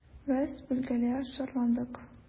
Без, билгеле, шатландык.